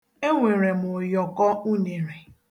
E nwere m ụyọkọ unere